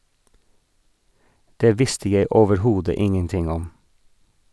- Det visste jeg overhodet ingenting om.